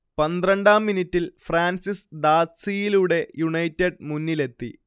പന്ത്രണ്ടാം മിനിറ്റിൽ ഫ്രാൻസിസ് ദാദ്സീയിലൂടെ യുണൈറ്റഡ് മുന്നിലെത്തി